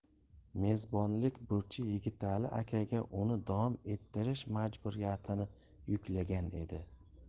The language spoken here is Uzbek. mezbonlik burchi yigitali akaga uni davom ettirish majburiyatini yuklagan edi